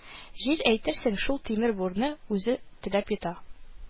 Җир әйтерсең шул тимер бурны үзе теләп йота